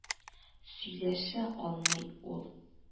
— сөйләшә алмый ул